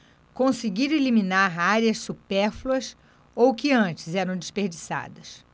conseguiram eliminar áreas supérfluas ou que antes eram desperdiçadas